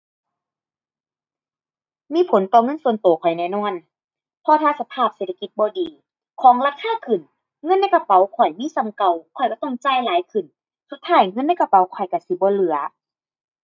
มีผลต่อเงินส่วนตัวข้อยแน่นอน เพราะถ้าสภาพเศรษฐกิจบ่ดี ของราคาขึ้น เงินในกระเป๋าข้อยมีส่ำเก่า ข้อยตัวต้องจ่ายหลายขึ้น สุดท้ายเงินในกระเป๋าข้อยตัวสิบ่เหลือ